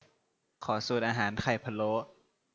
ขอสูตรอาหารไข่พะโล้